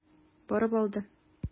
Барып алды.